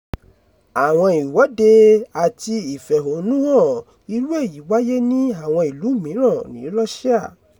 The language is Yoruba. Àwọn ìwọ́de àti ìfẹ̀hónúhàn irú èyí wáyé ní àwọn ìlú mìíràn ní Russia.